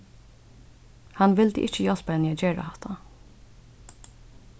hann vildi ikki hjálpa henni at gera hatta